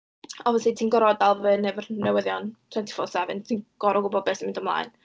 Obviously ti'n gorfod dal fyny efo'r newyddion twenty four seven, ti'n gorfod gwbod be sy'n mynd ymlaen.